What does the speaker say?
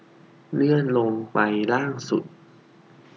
เลื่อนลงไปล่างสุด